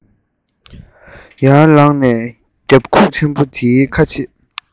རྗེས དྲན ལས སད